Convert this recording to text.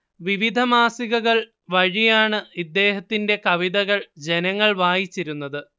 വിവിധ മാസികകൾ വഴിയാണ് ഇദ്ദേഹത്തിന്റെ കവിതകൾ ജനങ്ങൾ വായിച്ചിരുന്നത്